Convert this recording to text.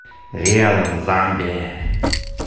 рядом зомби